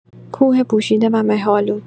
کوه پوشیده و مه‌آلود